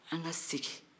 an ka segin